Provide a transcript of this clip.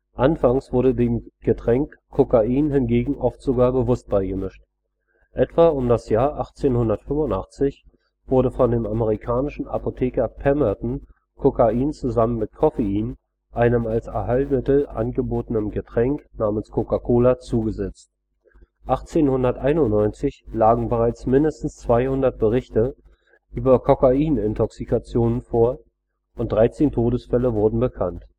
Anfangs wurde dem Getränk Kokain hingegen oft sogar bewusst beigemischt: „ Etwa um das Jahr 1885 wurde von dem amerikanischen Apotheker Pemberton Cocain zusammen mit Coffein einem als Allheilmittel angebotenen Getränk namens Coca-Cola zugesetzt. 1891 lagen bereits mindestens 200 Berichte über Cocainintoxikationen vor und 13 Todesfälle wurden bekannt